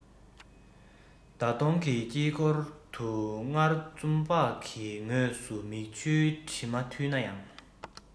ཟླ གདོང གི དཀྱིལ འཁོར དུ སྔར འཛུམ བག གི ངོས སུ མིག ཆུའི དྲི མ འཐུལ ན ཡང